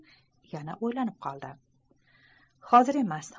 yana o'ylanib qoldihozir emas